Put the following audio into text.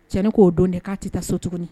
Cɛn k'o don dɛ k'a tɛ taa so tuguni